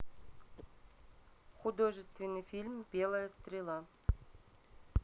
художественный фильм белая стрела